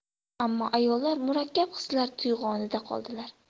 ammo ayollar murakkab hislar tug'yonida qoldilar